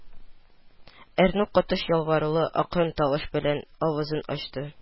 Әрнү катыш ялварулы акрын тавыш белән авызын ачты: